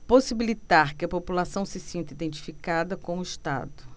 possibilitar que a população se sinta identificada com o estado